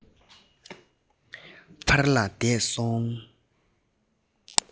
ཕར ལ འདས སོང